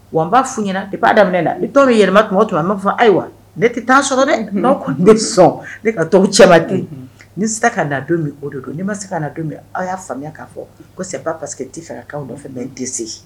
Wa n bɛ a fɔ i ɲɛna depuis a daminɛ na ni tɔn bɛ yɛlɛma tuma o tuma a b'a fɔ ayiwa ne tɛ temps sɔrɔ dɛ n’aw kɔni bɛ sɔn ne ka t’aw cɛman de ni sera ka na don min o de don ni ma se ka na don min, aw y'a faamuya ka fɔ ko c'est pas parce que n t’a fɛ ka kɛ k’aw nɔfɛ mais ntɛ se.